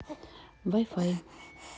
вай фай